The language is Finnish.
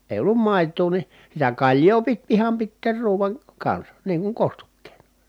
ei ollut maitoa niin sitä kaljaa piti ihan pitää ruuan kanssa niin kuin kostukkeena